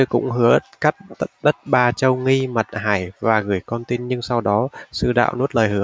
cũng hứa cắt đất ba châu nghi mật hải và gửi con tin nhưng sau đó sư đạo nuốt lời hứa